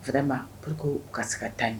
Vraiment pour que u ka se ka taa ɲɛ